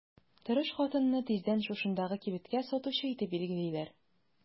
Тырыш хатынны тиздән шушындагы кибеткә сатучы итеп билгелиләр.